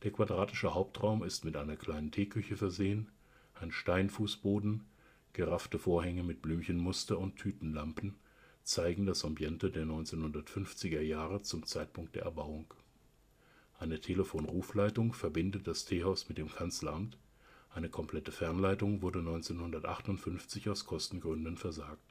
quadratische Hauptraum ist mit einer kleinen Teeküche versehen; ein Steinfußboden, geraffte Vorhänge mit Blümchenmuster und Tütenlampen zeigen das Ambiente der 1950er Jahre zum Zeitpunkt der Erbauung. Eine Telefon-Rufleitung verbindet das Teehaus mit dem Kanzleramt; eine komplette Fernleitung wurde 1958 aus Kostengründen versagt